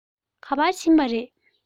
ག པར ཕྱིན པ རེད